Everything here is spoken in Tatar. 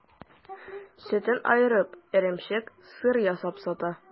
Сөтен аертып, эремчек, сыр ясап сата.